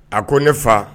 A ko ne fa